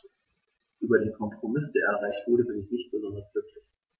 Über den Kompromiss, der erreicht wurde, bin ich nicht besonders glücklich.